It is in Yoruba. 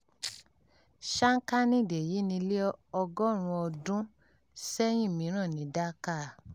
ShankhaNidh Èyí ni ilé ọgọ́rùn-ún ọdún sẹ́yìn mìíràn ní Dhaka.